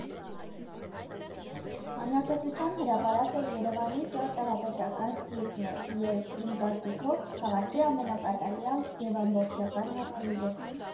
Հանրապետության հրապարակը Երևանի ճարտարապետական սիրտն է և, իմ կարծիքով, քաղաքի ամենակատարյալ և ամբողջական համալիրը։